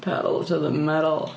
Pedal to the medle.